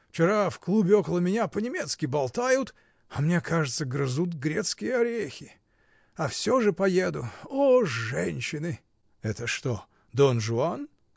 вчера в клубе около меня по-немецки болтают, а мне кажется, грызут грецкие орехи. А всё же поеду. О женщины! — Это тоже — Дон Жуан?